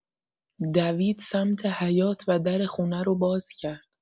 دوید سمت حیاط و در خونه رو باز کرد.